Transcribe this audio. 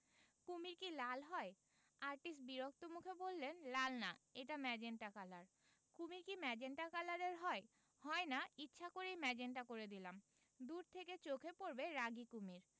শমীর কি লাল হয় আর্টিস্ট বিরক্ত মুখে বললেন লাল না এটা মেজেন্টা কালার কুমীর কি মেজেন্টা কালারের হয় হয় না ইচ্ছা করেই মেজেন্টা করে দিলাম দূর থেকে চোখে পড়বে রাগী কুমীর'